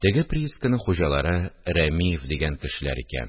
Теге приисканың хуҗалары Рәмиев дигән кешеләр икән